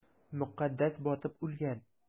Мөкаддәс батып үлгән!